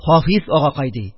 Хафиз агакай, ди,